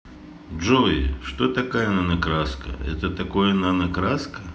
джой что такая нанокраска что такое нанокраска